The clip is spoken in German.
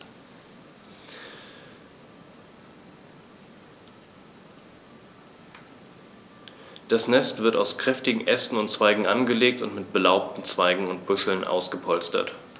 Das Nest wird aus kräftigen Ästen und Zweigen angelegt und mit belaubten Zweigen und Büscheln ausgepolstert.